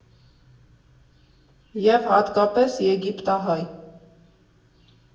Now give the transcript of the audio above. ԵՒ հատկապես եգիպտահայ։